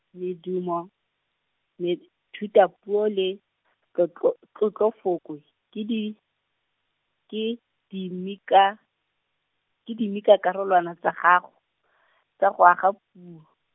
medumo, me- thutapuo le , tlotlo- tlotlofoko, ke di-, ke dimika-, ke dimikakarolwana tsa gago , tsa go aga puo.